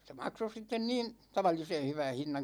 se maksoi sitten niin tavallisen hyvän hinnan